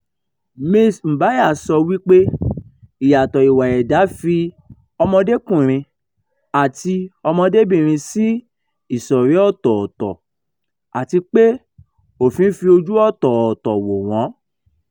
Ms. Mbuya sọ wípé ìyàtọ̀ ìwà ẹ̀dá fi ọmọdékùnrin àti ọmọdébìnrin sí "ìsọ̀rí ọ̀tọ̀ọ̀tọ̀ " àti pé, òfin fi ojú ọ̀tọ̀ọ̀tọ̀ wò wọ́n.